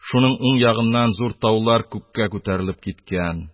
Шуның уң ягыннан зур таулар күккә күтәрелеп киткән;